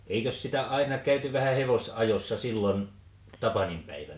eikös sitä aina käyty vähän hevosajossa silloin tapaninpäivänä